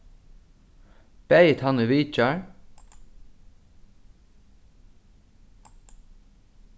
bæði tann ið vitjar